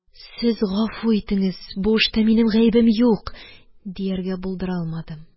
Сез гафу итеңез, бу эштә минем гаебем юк, дияргә булдыра алмадым.